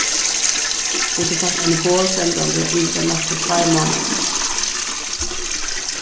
og tú fært eini boð sendandi yvir teir næstu tveir mánaðirnar